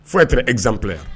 Fo tɛ ezsanp yan